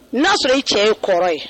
N y'a sɔrɔ ye cɛ ye kɔrɔ ye